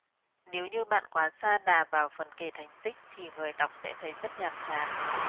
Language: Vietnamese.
nếu như bạn quá sa đà vào phần kể thành tích thì người đọc sẽ thấy rất nhàm chán